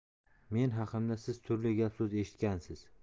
men haqimda siz turli gap so'z eshitgansiz